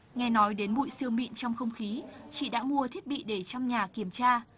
nghe nói đến bụi siêu mịn trong không khí chị đã mua thiết bị để trong nhà kiểm tra